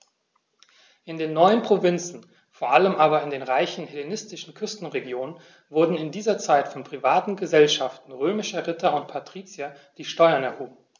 In den neuen Provinzen, vor allem in den reichen hellenistischen Küstenregionen, wurden in dieser Zeit von privaten „Gesellschaften“ römischer Ritter und Patrizier die Steuern erhoben.